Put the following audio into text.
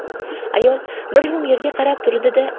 ayol bir zum yerga qarab turdi da